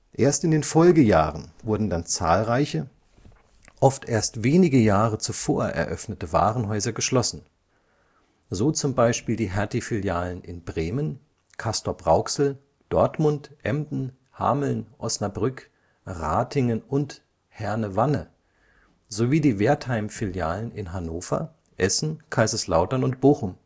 Erst in den Folgejahren wurden dann zahlreiche, oft erst wenige Jahre zuvor eröffnete Warenhäuser geschlossen, so zum Beispiel die Hertie-Filialen in Bremen, Castrop-Rauxel, Dortmund, Emden, Hameln, Osnabrück, Ratingen und Herne-Wanne sowie die Wertheim-Filialen in Hannover, Essen, Kaiserslautern und Bochum